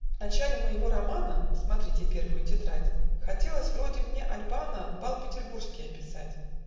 Х В начале моего романа (Смотрите первую тетрадь) Хотелось вроде мне Альбана Бал петербургский описать